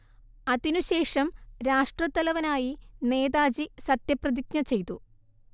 അതിനുശേഷം രാഷ്ട്രത്തലവനായി നേതാജി സത്യപ്രതിജ്ഞ ചെയ്തു